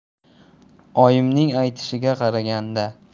oyimning aytishiga qaraganda